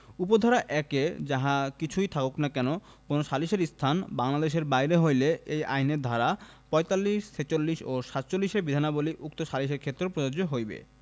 উপ ধারা ১ এ যাহা কিচুই থাকুক না কেন কোন সালিসের স্থান বাংলঅদেশের বাহিরে হইলে এই আইনের ধারা ৪৫ ৪৬ ও ৪৭ এর বিধানাবলী উক্ত সালিসের ক্ষেত্রেও প্রযোজ্য হইবে